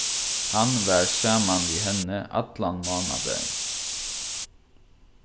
hann var saman við henni allan mánadagin